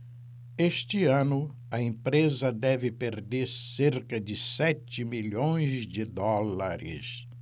este ano a empresa deve perder cerca de sete milhões de dólares